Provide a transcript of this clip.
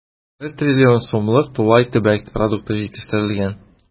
1 трлн сумлык тулай төбәк продукты җитештерелгән.